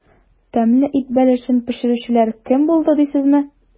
Тәмле ит бәлешен пешерүчеләр кем булды дисезме?